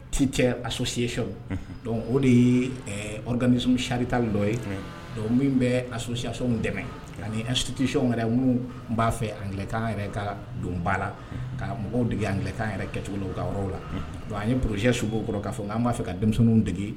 Ti cɛ asicw o de yekami sarita dɔ ye min bɛ asiw dɛmɛ sutiyw yɛrɛ minnu b'a fɛ ankan yɛrɛ ka don ba la ka mɔgɔw dege ankan yɛrɛ kɛcogo la ka yɔrɔ la an bozjɛ sugu o k'a an b'a fɛ ka denmisɛnnin dege